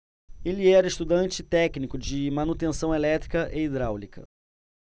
ele era estudante e técnico de manutenção elétrica e hidráulica